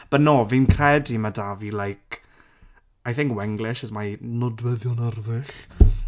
But no fi'n credu mae 'da fi like I think wenglish is my nodweddion arddull.